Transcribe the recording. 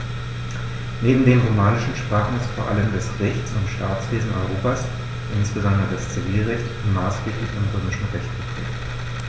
Neben den romanischen Sprachen ist vor allem das Rechts- und Staatswesen Europas, insbesondere das Zivilrecht, maßgeblich vom Römischen Recht geprägt.